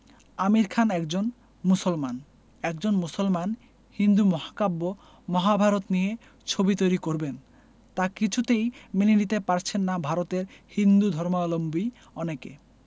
আমির খান একজন মুসলমান একজন মুসলমান হিন্দু মহাকাব্য মহাভারত নিয়ে ছবি তৈরি করবেন তা কিছুতেই মেনে নিতে পারছেন না ভারতের হিন্দুধর্মাবলম্বী অনেকে